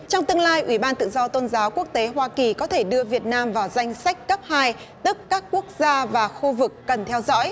trong tương lai ủy ban tự do tôn giáo quốc tế hoa kỳ có thể đưa việt nam vào danh sách cấp hai tức các quốc gia và khu vực cần theo dõi